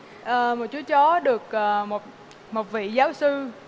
ờ một chú chó được ờ một một vị giáo sư